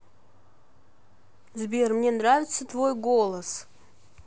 сбер мне нравится твой голос